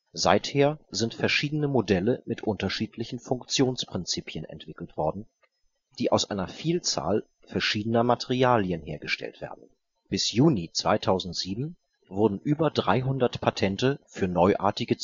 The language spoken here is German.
Seither sind verschiedene Modelle mit unterschiedlichen Funktionsprinzipien entwickelt worden, die aus einer Vielzahl verschiedener Materialien hergestellt werden. Bis Juni 2007 wurden über 300 Patente für neuartige